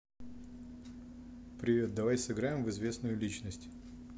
привет давай сыграем в известную личность